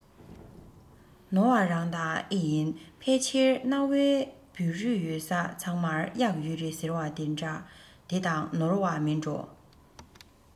ནོར བ རང ད ཨེ ཡིན ཕལ ཆེར གནའ བོའི བོད རིགས ཡོད ས ཚང མར གཡག ཡོད རེད ཟེར བ དེ དང ནོར བ མིན འགྲོ